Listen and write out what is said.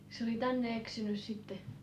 se oli tänne eksynyt sitten